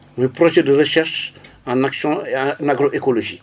muy projet de recherche en action et en agroécologie